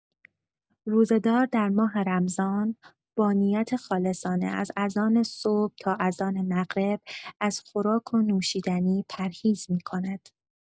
روزه‌دار در ماه رمضان با نیت خالصانه، از اذان صبح تا اذان مغرب از خوراک و نوشیدنی پرهیز می‌کند.